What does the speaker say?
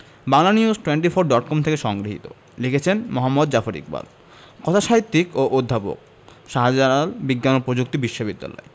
Banglanews twenty four dot com থেকে সংগৃহীত লিখেছেন মুহাম্মদ জাফর ইকবাল কথাসাহিত্যিক ও অধ্যাপক শাহজালাল বিজ্ঞান ও প্রযুক্তি বিশ্ববিদ্যালয়